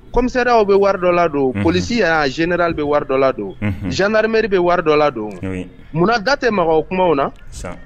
Comisaraw bɛ wari dɔ la don poli y'a zera bɛ wari dɔ la don zdaremeri bɛ wari dɔ la don munna da tɛ mɔgɔw kumaw na